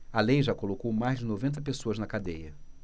a lei já colocou mais de noventa pessoas na cadeia